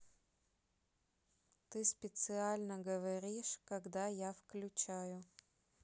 ты специально говоришь когда я включаю